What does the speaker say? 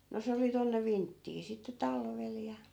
no se oli tuonne vinttiin sitten talvella ja